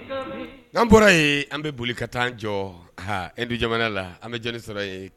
An bɔra yen an bɛ boli ka taa jɔ e bɛ jamana la an bɛ sara